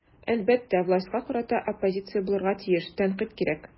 Әлбәттә, властька карата оппозиция булырга тиеш, тәнкыйть кирәк.